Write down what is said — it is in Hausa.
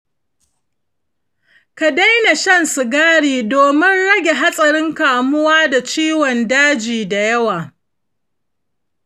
ka daina shan sigari domin rage hatsarin kamuwa da ciwon daji da yawa.